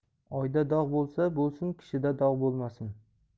oyda dog' bo'lsa bo'lsin kishida dog' bo'lmasin